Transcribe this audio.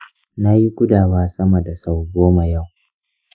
nayi gudawa sama da sau goma yau.